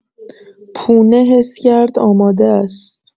پونه حس کرد آماده‌ست.